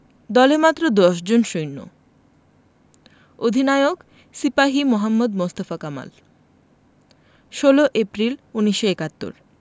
দলে মাত্র দশজন সৈন্য অধিনায়ক সিপাহি মোহাম্মদ মোস্তফা কামাল ১৬ এপ্রিল ১৯৭১